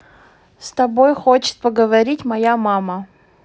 с тобой хочет поговорить моя мама